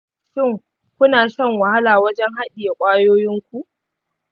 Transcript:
shin, kuna shan wahala wajen haɗiye ƙwayoyin ku?